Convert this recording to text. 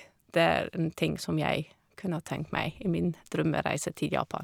Det er en ting som jeg kunne ha tenkt meg i min drømmereise til Japan.